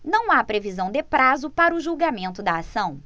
não há previsão de prazo para o julgamento da ação